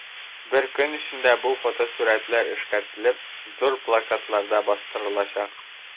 Бер көн эчендә бу фотосурәтләр эшкәртелеп, зур плакатларда бастырылачак.